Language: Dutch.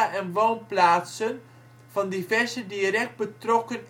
en woonplaatsen van diverse direct betrokken